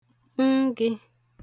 ngī